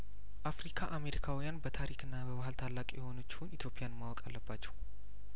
አፍሪካ አሜሪካውያን በታሪክና በባህል ታላቅ የሆነችውን ኢትዮጵያን ማወቅ አለባቸው